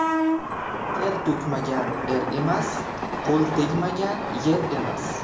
ter to'kmagan er emas qo'l tegmagan yer emas